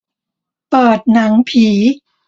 เปิดหนังผี